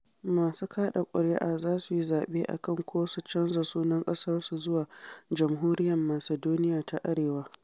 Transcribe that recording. Masu kada kuri’a za su yi zaɓe a kan ko su canza sunan kasarsu zuwa “Jamhuriyyar Macedonia ta Arewa.”